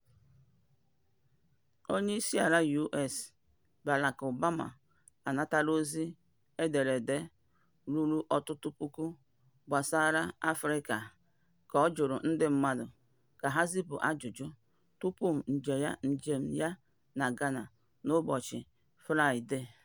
Onyeisiala US Barack Obama anatala ozi ederede ruru ọtụtụ puku gbasara Afrịka ka ọ jụrụ ndị mmadụ ka ha zipu ajụjụ tupu njem ya na Ghana n'ụbọchị Fraịdee.